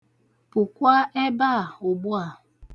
Pụkwa ebe a ugbu a.